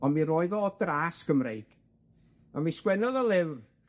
Ond mi roedd o o dras Gymreig, a mi sgwennodd o lyfr,